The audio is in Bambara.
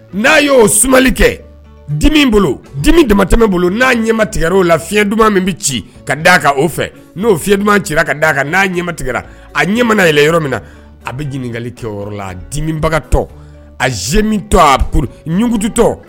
N'a y' oo suma kɛ dimi bolo dimi damatɛmɛ bolo n'a ɲɛ tigɛ' la fi fiɲɛ dumanuma min bɛ ci ka d aa kan o fɛ n'o fiɲɛ duman ci ka'a kan n'a ɲɛma tigɛ a ɲɛmana yɛlɛ yɔrɔ min na a bɛ ɲininkakali kɛ yɔrɔ la dimibagatɔ a ze min tɔ a ɲkututɔ